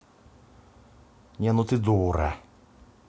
не ну ты дура